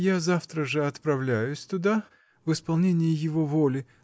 -- Я завтра же отправляюсь туда, в исполнение его воли